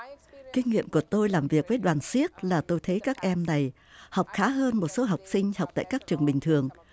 kinh nghiệm của tôi làm việc với đoàn xiếc là tôi thấy các em này học khá hơn một số học sinh học tại các trường bình thường